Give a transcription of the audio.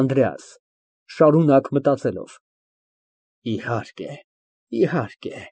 ԱՆԴՐԵԱՍ ֊ (Շարունակ մտածելով) Իհարկե, իհարկե։